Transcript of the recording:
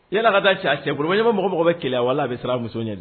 E la ka taa ca cɛbolo ɲɛmɔgɔ mɔgɔkɔrɔba bɛ kɛlɛ wala a bɛ siran muso ɲini